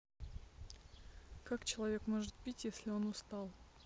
как человек может пить если он устал